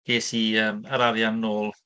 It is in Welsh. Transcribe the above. Ges i, yym, yr arian nôl.